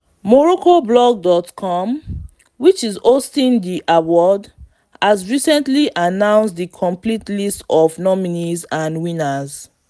MoroccoBlogs.com, which is hosting the awards, has recently announced the complete list of nominees and winners.